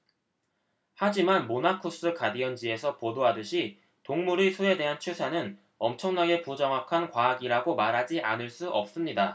하지만 모나쿠스 가디언 지에서 보도하듯이 동물의 수에 대한 추산은 엄청나게 부정확한 과학이라고 말하지 않을 수 없습니다